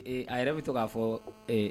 Ee a yɛrɛ bɛ to k'a fɔ